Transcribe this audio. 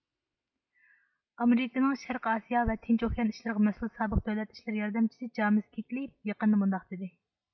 ئامېرىكىنىڭ شەرقىي ئاسىيا ۋە تىنچ ئوكيان ئىشلىرىغا مەسئۇل سابىق دۆلەت ئىشلىرى ياردەمچىسى جامېس كېگلېي يېقىندا مۇنداق دېدى